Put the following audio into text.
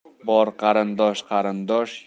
bor qarindosh qarindosh